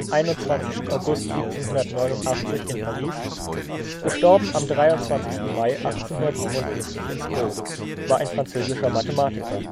21. August 1789 in Paris; † 23. Mai 1857 in Sceaux) war ein französischer Mathematiker